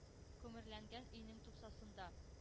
Күмерләнгән өйнең тупсасында